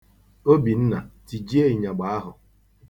Obinna, tijie ịnyagba ahụ.